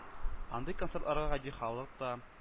Андый концертларга гади халык та